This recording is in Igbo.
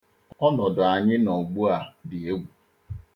Ọnọdụ anyị nọ ugbua dị egwu.